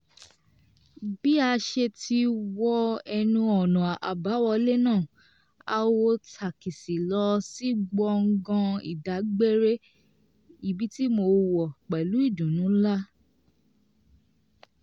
Bí a ṣe ti wọ ẹnu ọ̀nà àbáwọlé náà, a wọ takisí lọ sí gbọ̀ngán ìdágbére, ibi tí mo wọ̀ pẹ̀lú ìdùnnú ńlá.